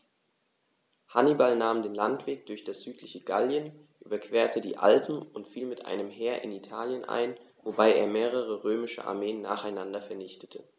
Hannibal nahm den Landweg durch das südliche Gallien, überquerte die Alpen und fiel mit einem Heer in Italien ein, wobei er mehrere römische Armeen nacheinander vernichtete.